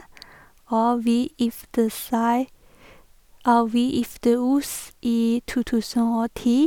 og vi gifte seg Og vi gifte oss i to tusen og ti.